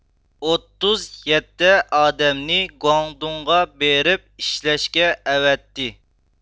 ئوتتۇز يەتتە ئادەمنى گۇاڭدۇڭغا بېرىپ ئىشلەشكە ئەۋەتتى